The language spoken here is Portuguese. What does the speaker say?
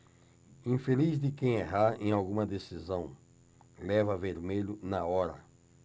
infeliz de quem errar em alguma decisão leva vermelho na hora